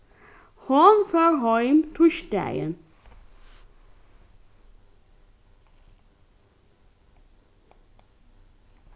hon fór heim týsdagin